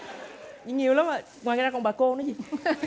dạ nhiều lắm ạ ngoài ra còn bà cô nữa chị